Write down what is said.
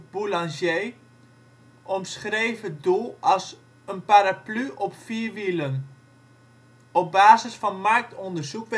Boulanger omschreef het doel als ' een paraplu op vier wielen '. Op basis van marktonderzoek